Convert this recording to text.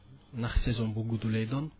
ndax saison bu gudd lay doon